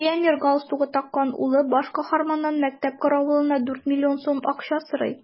Пионер галстугы таккан улы баш каһарманнан мәктәп каравылына дүрт миллион сум акча сорый.